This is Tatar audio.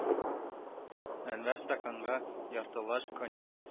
Әнвәр стаканга яртылаш коньяк